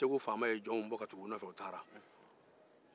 segu faama ye jɔnw bɔ ka tugu u nɔfɛ u taara